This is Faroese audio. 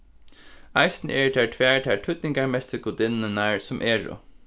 eisini eru tær tvær tær týdningarmestu gudinnurnar sum eru